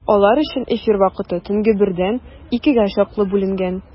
Алар өчен эфир вакыты төнге бердән икегә чаклы бүленгән.